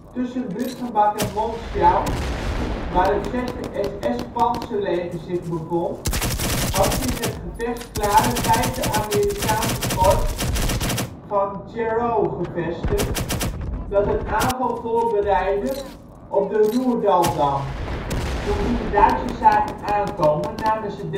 Tussen Bütgenbach en Monschau, waar het 6e SS-pantserleger zich bevond, had zich het gevechtsklare 5e Amerikaanse korps van Gerow gevestigd, dat een aanval voorbereidde op de Roerdaldam. Toen ze de Duitsers zagen aankomen, namen ze